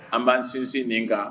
An b'an sinsin nin kan